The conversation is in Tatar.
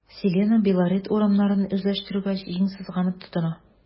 “селена” белорет урманнарын үзләштерүгә җиң сызганып тотына.